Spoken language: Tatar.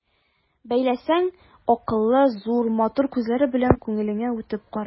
Бәйләсәң, акыллы, зур, матур күзләре белән күңелеңә үтеп карый.